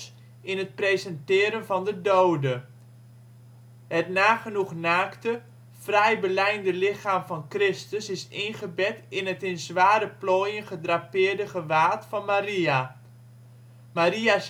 presenteren van de dode. Het nagenoeg naakte, fraai belijnde lichaam van Christus is ingebed in het in zware plooien gedrapeerde gewaad van Maria. Maria